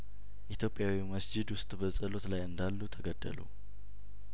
ኢትዮጵያዊው መስጂድ ውስጥ በጸሎት ላይ እንዳሉ ተገደሉ